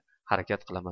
harakat qilaman